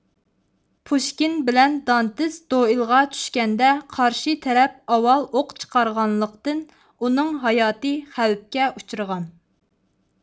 پۇشكىن بىلەن دانتىس دوئىلغا چۈشكەندە قارشى تەرەپ ئاۋۋال ئوق چىقارغانلىقتىن ئۇنىڭ ھاياتى خەۋپكە ئۇچرىغان